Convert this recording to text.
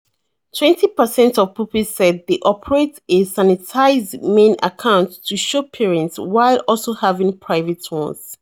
Twenty per cent of pupils said they operate a sanitized "main" account to show parents, while also having private ones.